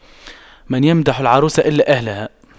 من يمدح العروس إلا أهلها